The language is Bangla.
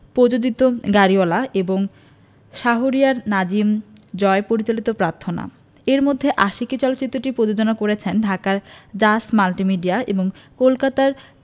প্রযোজিত গাড়িওয়ালা এবং শাহরিয়ার নাজিম জয় পরিচালিত প্রার্থনা এর মধ্যে আশিকী চলচ্চিত্রটি প্রযোজনা করছে ঢাকার জাজ মাল্টিমিডিয়া এবং কলকাতার